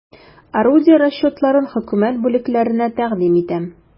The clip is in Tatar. Орудие расчетларын хөкүмәт бүләкләренә тәкъдим итәм.